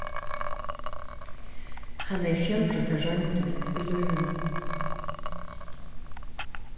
hann hevði fjølbroyttar royndir í lívinum